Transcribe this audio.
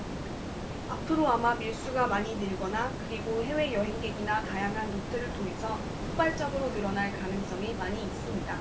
앞으로 아마 밀수가 많이 늘거나 그리고 해외 여행객이나 다양한 루트를 통해서 폭발적으로 늘어날 가능성이 많이 있습니다